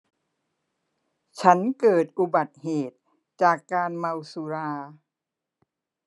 ฉันเกิดอุบัติเหตุจากการเมาสุรา